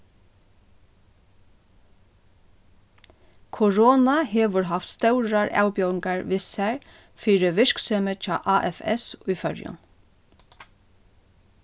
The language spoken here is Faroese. korona hevur havt stórar avbjóðingar við sær fyri virksemið hjá afs í føroyum